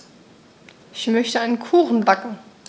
Ich möchte einen Kuchen backen.